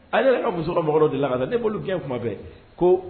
Ale yɛrɛ ka muso ka mɔgɔdɔ delila ka taga, ne b'olu gɛn tuma bɛɛ ko